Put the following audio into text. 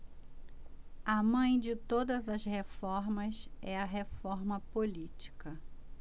a mãe de todas as reformas é a reforma política